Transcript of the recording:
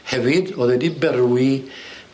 Hefyd o'dd e 'di berwi